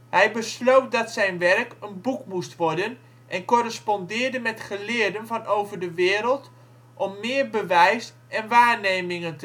Hij besloot dat zijn werk een boek moest worden, en correspondeerde met geleerden van over de wereld om meer bewijs en waarnemingen